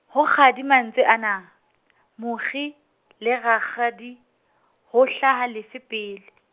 ho kgadi mantswe ana, mokgi, le rakgadi, ho hlaha lefe pele?